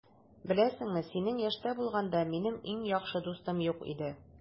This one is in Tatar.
Беләсеңме, синең яшьтә булганда, минем иң яхшы дустым юк иде.